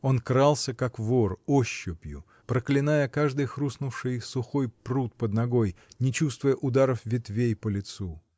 Он крался, как вор, ощупью, проклиная каждый хрустнувший сухой прут под ногой, не чувствуя ударов ветвей по лицу.